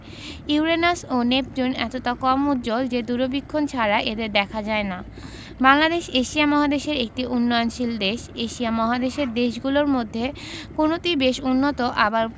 Uranus ও Neptune এতটা কম উজ্জ্বল যে দূরবীক্ষণ ছাড়া এদের দেখা যায় না বাংলাদেশ এশিয়া মহাদেশের একটি উন্নয়নশীল দেশ এশিয়া মহাদেশের দেশগুলোর মধ্যে কোনটি বেশ উন্নত আবার